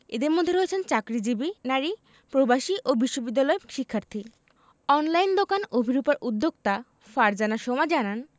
এঁদের মধ্যে রয়েছেন চাকরিজীবী নারী প্রবাসী ও বিশ্ববিদ্যালয় শিক্ষার্থী অনলাইন দোকান অভিরুপার উদ্যোক্তা ফারজানা সোমা জানান